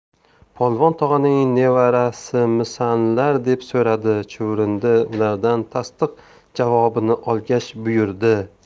polvon tog'aning nevarasimisanlar deb so'radi chuvrindi ulardan tasdiq javobini olgach buyurdi